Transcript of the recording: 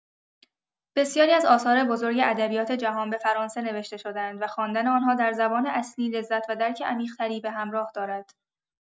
بسیاری از آثار بزرگ ادبیات جهان به فرانسه نوشته شده‌اند و خواندن آنها در زبان اصلی، لذت و درک عمیق‌تری به همراه دارد.